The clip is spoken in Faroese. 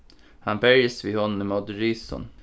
hann berjist við honum ímóti risum